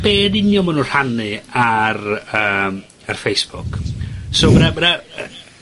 ... be' yn union ma' nw rhannu ar yym y Facebook. So ma' 'na ma' 'na yy